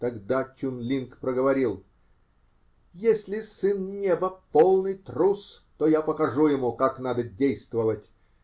Тогда Чун-Линг проговорил: -- Если сын неба -- полный трус, то я покажу ему, как надо действовать.